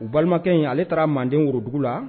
U balimakɛ in ale taara manden worodugu la